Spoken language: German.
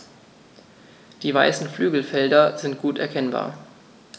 Die weißen Flügelfelder sind gut erkennbar.